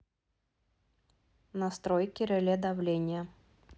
настройки реле давления